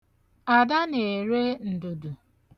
Ada na-ere ndudu.